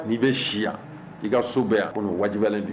N'i bɛ si yan i ka so bɛɛ yan ko wajibilen don